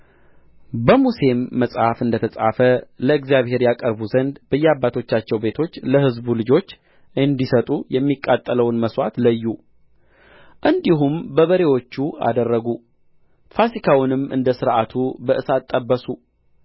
በሙሴም መጽሐፍ እንደ ተጻፈ ለእግዚአብሔር ያቀርቡ ዘንድ በየአባቶቻቸው ቤቶች ለሕዝቡ ልጆች እንዲሰጡ የሚቃጠለውን መሥዋዕት ለዩ እንዲሁም በበሬዎቹ አደረጉ ፋሲካውንም እንደ ሥርዓቱ በእሳት ጠበሱ